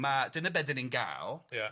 ma' dyna be 'dan ni'n ga'l... Ia...